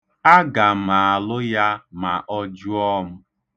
Aga m alụ ya ma ọ jụọ m.